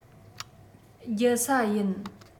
རྒྱལ ས ཡིན